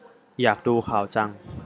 อยากดูข่าวจัง